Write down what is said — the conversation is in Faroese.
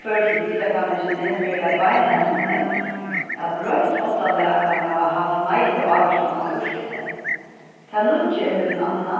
føroysku pisa-kanningini verður tað beinleiðis nevnt at broytt háttalag kann hava havt neiliga ávirkan á úrslitið tað nýggja er millum annað